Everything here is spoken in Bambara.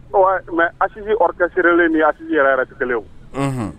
Oui mais artiste orcaisse len ni artiste yɛrɛ yɛrɛ ti kelen Unhun